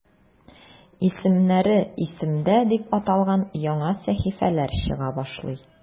"исемнәре – исемдә" дип аталган яңа сәхифәләр чыга башлый.